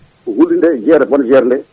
ko hulde nde jeere bonna jeere nde